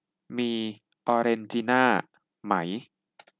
มีออเรนจิน่าไหม